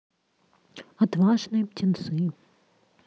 отважные птенцы